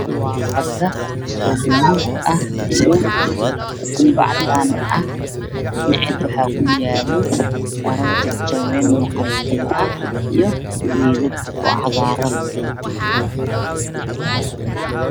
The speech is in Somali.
Waa badda oo buluug ah waxaa ku yaalo aarar jajaban iyo geedo cagaaran